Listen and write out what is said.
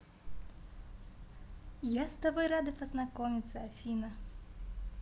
я с тобой рада познакомиться афина